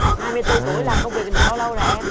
hai mươi tư tuổi làm công việc này được bao lâu rồi em